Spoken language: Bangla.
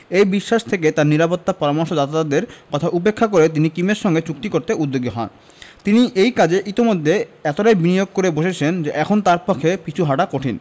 এই বিশ্বাস থেকে তাঁর নিরাপত্তা পরামর্শদাতাদের কথা উপেক্ষা করে তিনি কিমের সঙ্গে চুক্তি করতে উদ্যোগী হন তিনি এই কাজে ইতিমধ্যে এতটাই বিনিয়োগ করে বসেছেন যে এখন তাঁর পক্ষে পিছু হটা কঠিন